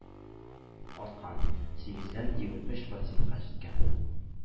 Арткан: сигездән егерме өч процентка җиткән.